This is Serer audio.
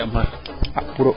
yaam xar